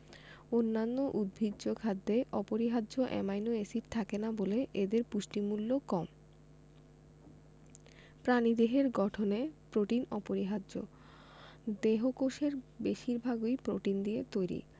অন্যান্য উদ্ভিজ্জ খাদ্যে অপরিহার্য অ্যামাইনো এসিড থাকে না বলে এদের পুষ্টিমূল্য কম প্রাণীদেহের গঠনে প্রোটিন অপরিহার্য দেহকোষের বেশির ভাগই প্রোটিন দিয়ে তৈরি